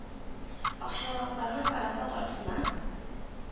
Акчарлакларны пароход артыннан